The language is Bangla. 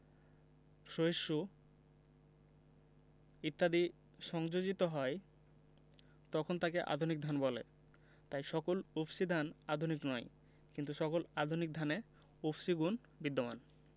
সহিষ্ণু ইত্যাদি সংযোজিত হয় তখন তাকে আধুনিক ধান বলে তাই সকল উফশী ধান আধুনিক নয় কিন্তু সকল আধুনিক ধানে উফশী গুণ বিদ্যমান